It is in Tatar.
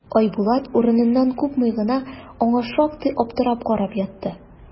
Айбулат, урыныннан купмый гына, аңа шактый аптырап карап ятты.